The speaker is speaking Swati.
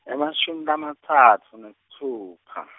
emashumi lamatsatfu nesitfupha.